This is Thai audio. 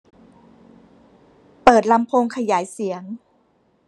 เปิดลำโพงขยายเสียง